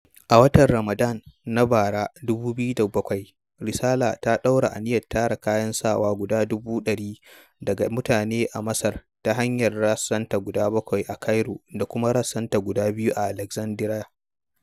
A watan Ramadan na bara (2007), Resala ta ɗaura aniyar tara kayan sawa guda dubu 100 daga mutane a Masar ta hanyar rassanta guda 7 a Cairo da kuma rassanta guda 2 a Alexandria.